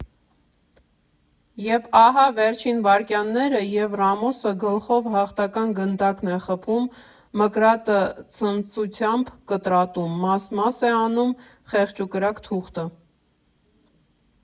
Եվ ահա, վերջին վայրկյանները և Ռամոսը գլխով հաղթական գնդակն է խփում մկրատը ցնծությամբ կտրատում, մաս֊մաս է անում խեղճուկրակ թուղթը…